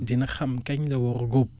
dina xam kañ la war a góob